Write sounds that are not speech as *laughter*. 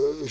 *hesitation* *hesitation*